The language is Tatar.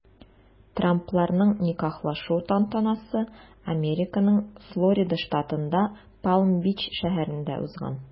Трампларның никахлашу тантанасы Американың Флорида штатында Палм-Бич шәһәрендә узган.